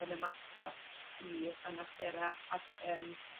yn ymatab i anawstera ac yym